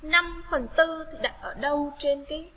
đặt ở đâu trên cái